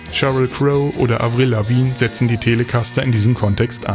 Sheryl Crow oder Avril Lavigne setzten die Telecaster in diesem Kontext